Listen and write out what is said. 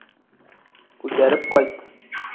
Күтәреп кайт.